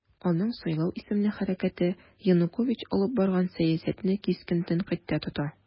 Аның "Сайлау" исемле хәрәкәте Янукович алып барган сәясәтне кискен тәнкыйтькә тота.